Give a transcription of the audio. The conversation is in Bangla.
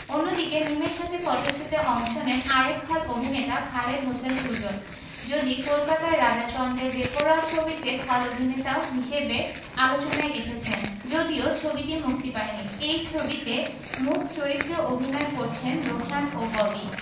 অন্যদিকে মিমের সাথে ফটশুটে অংশ নেন আরেক খল অভিনেতা খালেদ হোসেন সুজন যদি কলকাতার রাজা চন্দের বেপরোয়া ছবিতে খল অভিননেতা হিসেবে আলোচনায় এসেছেন যদিও ছবিটি মুক্তি পায়নি এই ছবিতে মূখ চরিত্রে অভিনয় করছেন রোশান ও ববি